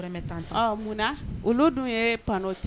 Mun olu dun ye pan tɛ